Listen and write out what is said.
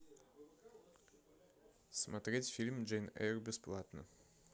смотреть фильм джейн эйр бесплатно